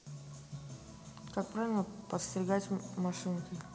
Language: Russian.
как правильно подстригать машинкой